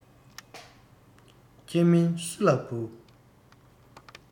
ཁྱེད མིན སུ ལ འབུལ